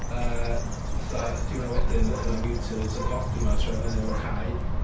Yy, fatha y diwrnod wedyn wnaeth 'na mutilated body 'ma troi fyny mewn cae.